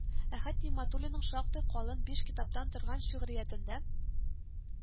Әхәт Нигъмәтуллинның шактый калын биш китаптан торган шигъриятендә